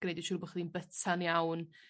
Gneud yn siwr bo' chdi'n byta'n iawn.